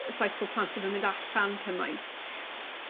Y ffaith bo' plant ddim yn mynd allan cymaint. .